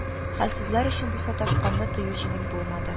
Хәлсезләр өчен бу саташканны тыю җиңел булмады